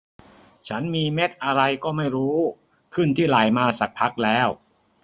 ฉันมีเม็ดอะไรก็ไม่รู้ขึ้นที่ไหล่มาสักพักแล้ว